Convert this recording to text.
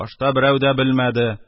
Башта берәү дә белмәде.